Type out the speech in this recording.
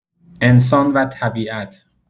انسان و طبیعت